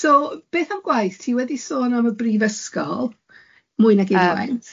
So beth am gwaith? Ti wedi sôn am y brifysgol mwy nag unwaith. Yy ie.